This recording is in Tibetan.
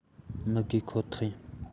མི དགོས ཁོ ཐག ཡིན